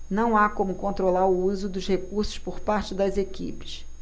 não há como controlar o uso dos recursos por parte das equipes